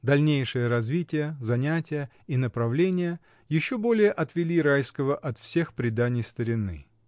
Дальнейшее развитие, занятия и направление еще более отвели Райского от всех преданий старины.